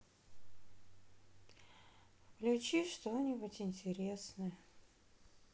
включи что нибудь интересное